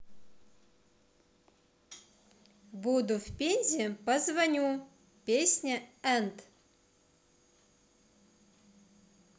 буду в пензе позвоню песня and